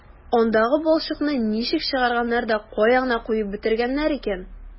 Андагы балчыкны ничек чыгарганнар да кая гына куеп бетергәннәр икән...